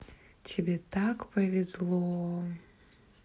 тебе так повезло